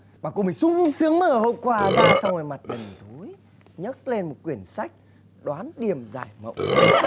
và cô mới sung sướng mở hộp quà ra xong rồi mặt đần thối nhấc lên một quyển sách đoán điềm giải mộng